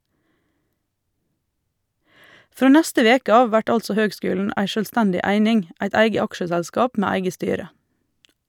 Frå neste veke av vert altså høgskulen ei sjølvstendig eining, eit eige aksjeselskap med eige styre.